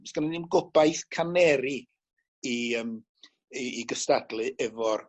sgynnon ni 'im gobaith caneri i yym i i gystadlu efo'r